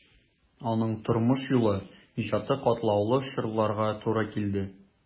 Аның тормыш юлы, иҗаты катлаулы чорларга туры килде.